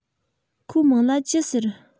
ཁོའི མིང ལ ཅི ཟེར